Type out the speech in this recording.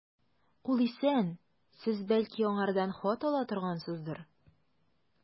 Ул исән, сез, бәлки, аңардан хат ала торгансыздыр.